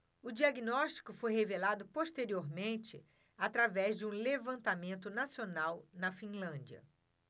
o diagnóstico foi revelado posteriormente através de um levantamento nacional na finlândia